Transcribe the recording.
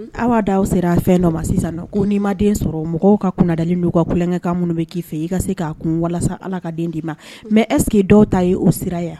Awa da sera a fɛn dɔ ma sisan ko n'i mad en sɔrɔ mɔgɔw ka kunnadali n'u ka tulonkɛkan minnu bɛ k'i fɛ i ka se k'a kun walasa Ala ka den d'i ma mais est ce que dɔw ta ye o sira ye